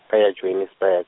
kha ya Johannesbur-.